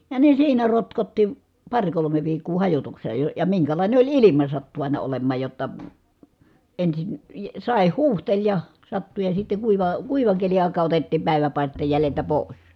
ja ne siinä rotkotti pari kolme viikkoa -- ja minkälainen oli ilma sattui aina olemaan jotta ensin sade huuhteli ja sattui ja sitten kuiva kuivan keli aikaa otettiin päiväpaisteen jäljeltä pois